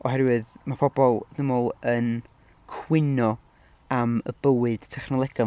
Oherwydd mae pobl, dwi'n meddwl, yn cwyno am y bywyd technolegol.